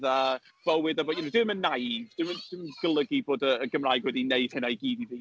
A bywyd a bod... you know, dwi ddim yn naïve. Dwi'm yn dwi'm yn golygu bod y y Gymraeg wedi wneud hynna i gyd i fi.